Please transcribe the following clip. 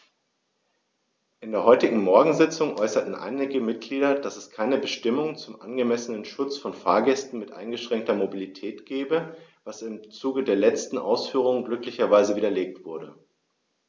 In der heutigen Morgensitzung äußerten einige Mitglieder, dass es keine Bestimmung zum angemessenen Schutz von Fahrgästen mit eingeschränkter Mobilität gebe, was im Zuge der letzten Ausführungen glücklicherweise widerlegt wurde.